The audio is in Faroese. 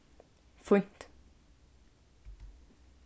fínt